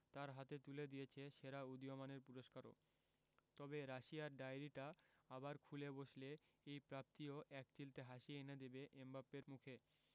তাঁর হাতে তুলে দিয়েছে সেরা উদীয়মানের পুরস্কারও তবে রাশিয়ার ডায়েরিটা আবার খুলে বসলে এই প্রাপ্তি ও একচিলতে হাসি এনে দেবে এমবাপ্পের মুখে